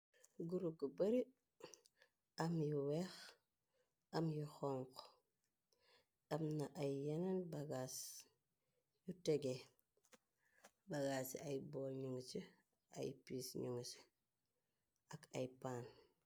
guru gu bari am yu weex am yu xonx amna ay yenen bagaas yu tege bagaas ci ay bool nungi ci ay pis nu ngi ci ak ay paan